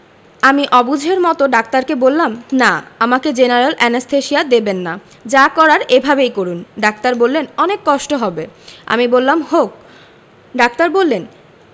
আমি অবুঝের মতো ডাক্তারকে বললাম না আমাকে জেনারেল অ্যানেসথেসিয়া দেবেন না যা করার এভাবেই করুন ডাক্তার বললেন অনেক কষ্ট হবে আমি বললাম হোক ডাক্তার বললেন